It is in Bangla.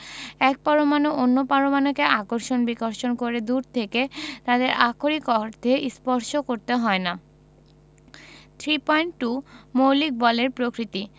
এক পরমাণু অন্য পরমাণুকে আকর্ষণ বিকর্ষণ করে দূর থেকে তাদেরকে আক্ষরিক অর্থে স্পর্শ করতে হয় না 3.2 মৌলিক বলের প্রকৃতি